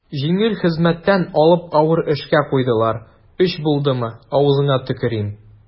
Җиңел хезмәттән алып авыр эшкә куйдылар, өч булдымы, авызыңа төкерим.